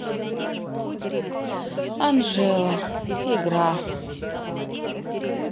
анжела игра